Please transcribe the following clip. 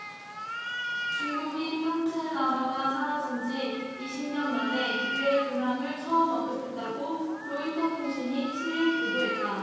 중국이 판첸 라마가 사라진 지 이십 년 만에 그의 근황을 처음 언급했다고 로이터통신이 칠 일 보도했다